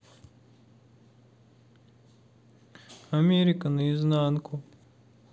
америка наизнанку